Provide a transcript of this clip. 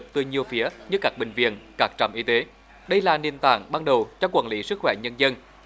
từ nhiều phía như các bệnh viện các trạm y tế đây là nền tảng ban đầu cho quản lý sức khỏe nhân dân